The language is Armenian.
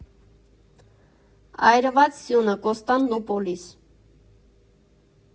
Այրված սյունը, Կոստանդնուպոլիս։